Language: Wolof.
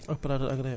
opérateur agréé